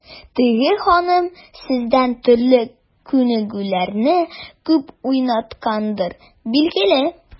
Теге ханым сездән төрле күнегүләрне күп уйнаткандыр, билгеле.